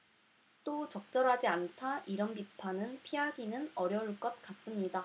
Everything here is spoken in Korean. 또 적절하지 않다 이런 비판은 피하기는 어려울 것 같습니다